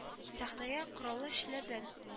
Сәхнәгә кораллы эшчеләр белән